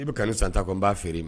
I bi kanu santa kɔ nb'a feere i ma